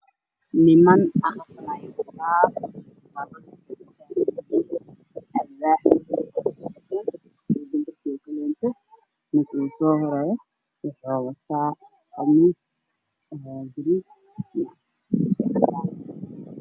Niman Isku eeg ayaa waxay galeen masaajidka nooca dhow masaajidkaas waxaa cusub la yiraahdo al xayaa